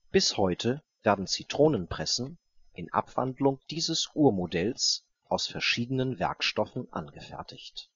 Bis heute werden Zitronenpressen in Abwandlung dieses Urmodells aus verschiedenen Werkstoffen angefertigt